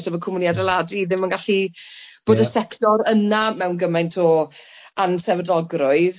Sef y cwmni adeiladu ddim yn gallu, bod y sector yna mewn gymaint o ansefydlogrwydd.